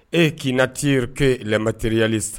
E k'ina teiurke tɛreyali sisan